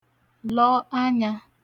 lọ anyā